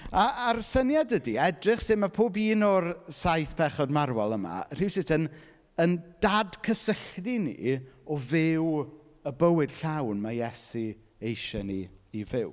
A a'r syniad ydy edrych sut ma' pob un o'r Saith Pechod Marwol yma, rhywsut yn yn dadgysylltu ni o fyw y bywyd llawn ma' Iesu eisie ni i fyw.